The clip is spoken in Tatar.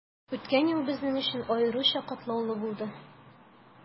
Үткән ел безнең өчен аеруча катлаулы булды.